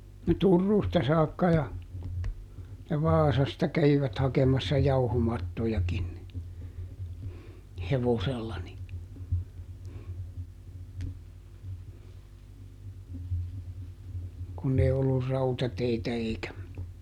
no Turusta saakka ja ja Vaasasta kävivät hakemassa jauhomattojakin niin hevosella niin kun ei ollut rautateitä eikä